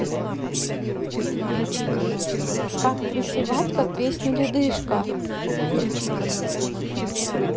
как танцевать под песню ледышка